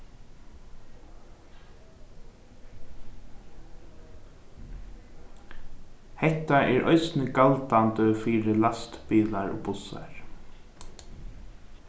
hetta er eisini galdandi fyri lastbilar og bussar